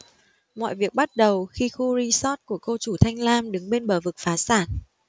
mọi việc bắt đầu khi khu resort của cô chủ thanh lam đứng bên bờ vực phá sản